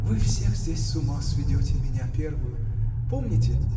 — Вы всех здесь с ума сведете, меня первую. Помните?.